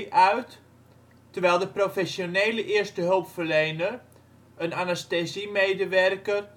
uit, terwijl de professionele eerstehulpverlener (anesthesiemedewerker